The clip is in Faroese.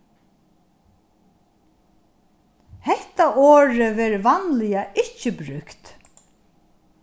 hetta orðið verður vanliga ikki brúkt